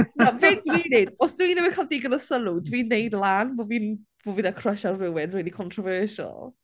Na be dwi'n wneud, os dwi ddim yn cael digon o sylw, dwi'n wneud lan bod fi'n... bod fi 'da crush ar rywun rili controversial.